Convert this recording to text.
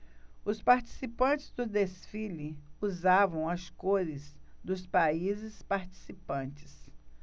os participantes do desfile usavam as cores dos países participantes